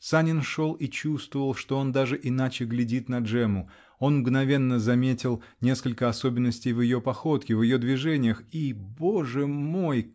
Санин шел и чувствовал, что он даже иначе глядит на Джемму: он мгновенно заметил несколько особенностей в ее походке, в ее движениях, -- и, боже мой!